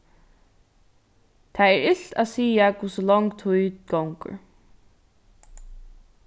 tað er ilt at siga hvussu long tíð gongur